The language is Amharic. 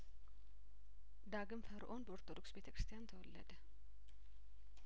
ዳግም ፈርኦን በኦርቶዶክስ ቤተ ክርስቲያን ተወለደ